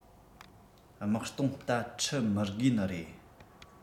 དམག སྟོང རྟ ཁྲི མི དགོས ནི རེད